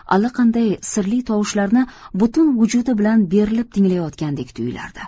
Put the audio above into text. allaqanday sirli tovushlarni butun vujudi bilan berilib tinglayotgandek tuyulardi